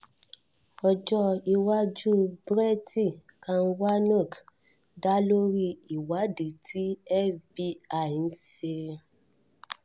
Ọjọ́-iwájú Brett Kavanaugh's dálórí ìwádií tí FBI ń se